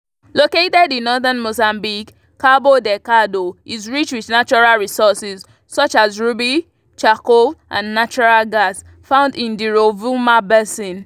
Located in northern Mozambique, Cabo Delgado is rich with natural resources, such as ruby, charcoal and natural gas, found in the Rovuma Basin.